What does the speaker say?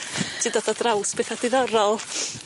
Ti dod ar draws betha diddorol.